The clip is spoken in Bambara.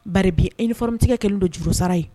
Baripi e ni ftigɛ kɛlen don juru sara ye